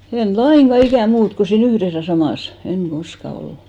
en lainkaan ikänä muuta kun siinä yhdessä ja samassa en koskaan ollut